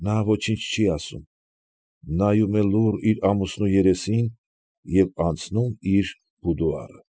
Նա ոչինչ չի ասում, նայում է լուռ իր ամուսնու երեսին և անցնում իր բուդուարը։